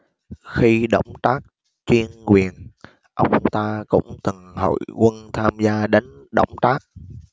khi đổng trác chuyên quyền ông ta cũng từng hội quân tham gia đánh đổng trác